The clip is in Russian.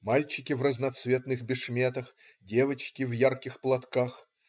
Мальчики в разноцветных бешметах, девочки в ярких платках.